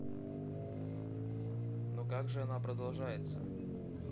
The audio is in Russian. ну как же она продолжается